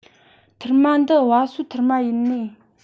ཐུར མ འདི བ སོའི ཐུར མ ཡིན ནིས